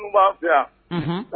Mun b'a fɛ yan; Unhun.